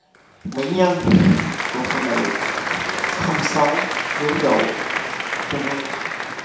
mỹ nhân của phụ nữ không xấu quyến rũ trên elle